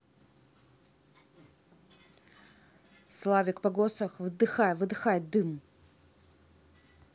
slavik pogosov выдыхай выдыхай дым